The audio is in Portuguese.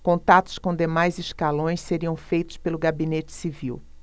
contatos com demais escalões seriam feitos pelo gabinete civil